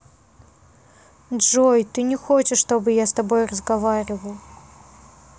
джой ты не хочешь чтобы я с тобой разговаривал